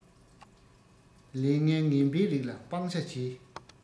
ལས ངན ངན པའི རིགས ལ སྤང བྱ གྱིས